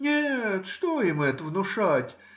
— Нет; что им это внушать?